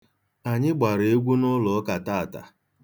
Anyị gbara egwu n'ụlọụka taata.